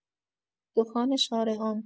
دکان شارعان